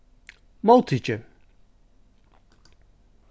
móttikið